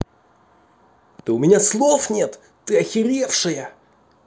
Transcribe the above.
да у меня слов нет ты охеревшая